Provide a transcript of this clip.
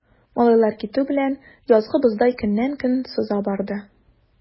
Малайлар китү белән, язгы боздай көннән-көн сыза барды.